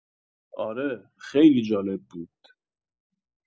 اره، خیلی جالب بود.